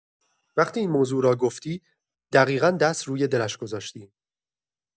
وقتی این موضوع را گفتی، دقیقا دست روی دلش گذاشتی.